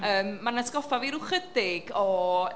yym ma'n atgoffa fi ryw chydig o...